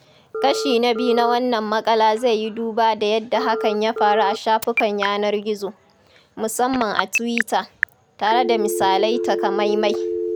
Kashi na II na wannan maƙala zai yi duba da yadda hakan ya faru a shafukan yanar gizo, musamman a tuwita, tare da misalai takamaimai.